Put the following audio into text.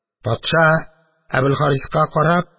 Патша, Әбелхариска карап